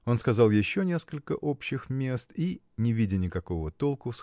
Он сказал еще несколько общих мест и не видя никакого толку